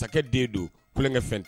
Masakɛ den don kulenkɛ fɛn tɛ